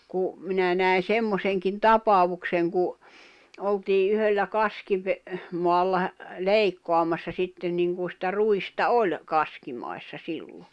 kun minä näin semmoisenkin tapauksen kun oltiin yhdellä - kaskimaalla - leikkaamassa sitten niin kuin sitä ruista oli kaskimaissa silloin